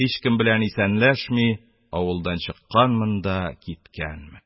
Һичкем белән исәнләшми, авылдан чыкканмын да киткәнмен.